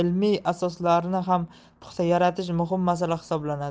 ilmiy asoslarini ham puxta yaratish muhim masala hisoblanadi